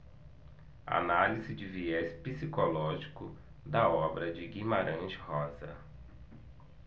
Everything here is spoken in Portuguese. análise de viés psicológico da obra de guimarães rosa